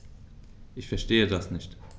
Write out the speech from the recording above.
Ich verstehe das nicht.